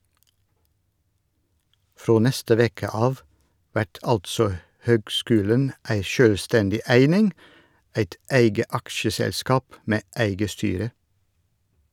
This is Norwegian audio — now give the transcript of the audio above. Frå neste veke av vert altså høgskulen ei sjølvstendig eining, eit eige aksjeselskap med eige styre.